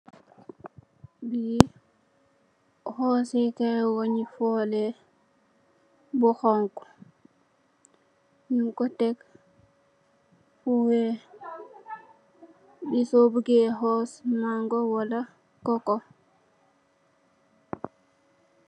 Li hoorsèkaay wënnu folè bu honku nung ko tekk fu weeh. Li so bu gè hoors mango wala coco.